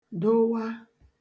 dowa